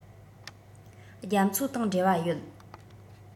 རྒྱ མཚོ དང འབྲེལ བ ཡོད